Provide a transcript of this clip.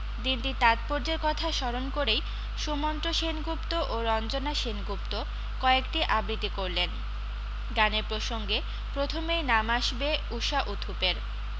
দিনটির তাৎপর্যের কথা স্মরণ করেই সুমন্ত্র সেনগুপ্ত ও রঞ্জনা সেনগুপ্ত কয়েকটি আবৃত্তি করলেন গানের প্রসঙ্গে প্রথমেই নাম আসবে ঊষা উত্থুপের